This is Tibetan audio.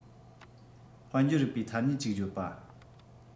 དཔལ འབྱོར རིག པའི ཐ སྙད ཅིག བརྗོད པ